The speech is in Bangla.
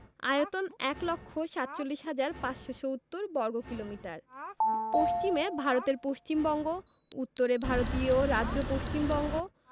আয়তন ১লক্ষ ৪৭হাজার ৫৭০বর্গকিলোমিটার পশ্চিমে ভারতের পশ্চিমবঙ্গ উত্তরে ভারতীয় রাজ্য পশ্চিমবঙ্গ